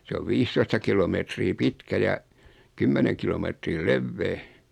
se on viisitoista kilometriä pitkä ja kymmenen kilometriä leveä